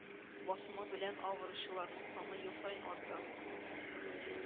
Басымы белән авыручыларның саны ел саен арта